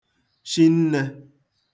shinnē